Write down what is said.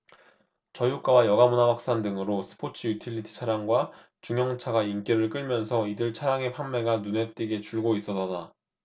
저유가와 여가문화 확산 등으로 스포츠유틸리티차량과 중형차가 인기를 끌면서 이들 차량의 판매가 눈에 띄게 줄고 있어서다